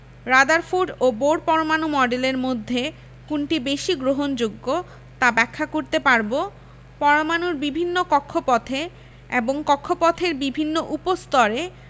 Rutherford ও Bohr পরমাণু মডেলের মধ্যে কোনটি বেশি গ্রহণযোগ্য তা ব্যাখ্যা করতে পারব পরমাণুর বিভিন্ন কক্ষপথে এবং কক্ষপথের বিভিন্ন উপস্তরে